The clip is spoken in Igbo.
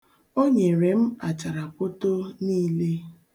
O nyere m acharakwoto niile.